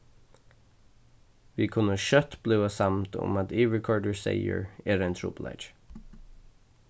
vit kunnu skjótt blíva samd um at yvirkoyrdur seyður er ein trupulleiki